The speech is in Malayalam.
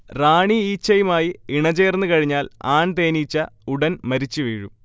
റാണിഈച്ചയുമായി ഇണചേർന്നുകഴിഞ്ഞാൽ ആൺ തേനീച്ച ഉടൻ മരിച്ചുവീഴും